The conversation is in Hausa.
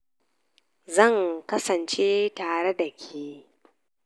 Zan kasance tare da ke.